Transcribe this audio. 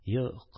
– юк.